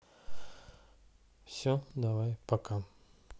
все давай пока